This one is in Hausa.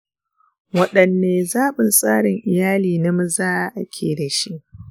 waɗane ne zaɓin tsarin iyali na maza ake dashi?